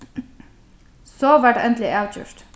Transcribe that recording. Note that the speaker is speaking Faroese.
so varð tað endiliga avgjørt